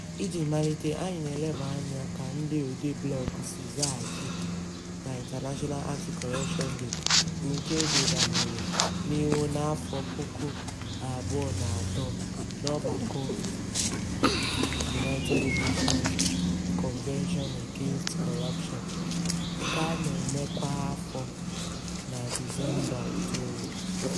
Iji malite, anyị na-eleba anya ka ndị odee blọọgụ si zaghachi na International Anti-Corruption Day, bụ nke e debanyere n'iwu na 2003 n'ọgbakọ United Nations Convention against Corruption nke a na-eme kwa afọ na Disemba 9.